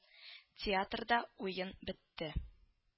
Театрда уен бетте